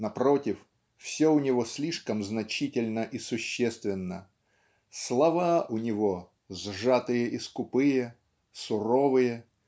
Напротив, все у него слишком значительно и существенно. Слова у него сжатые и скупые суровые